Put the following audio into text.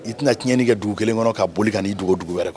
I tɛna tiɲɛni kɛ dugu kelen kɔnɔ ka boli ka n'i dogo dugu wɛrɛ k